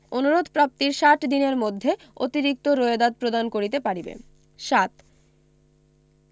অনুরোধ প্রাপ্তির ষাট দিনের মধ্যে অতিরিক্ত রোয়েদাদ প্রদান করিতে পারিবে ৭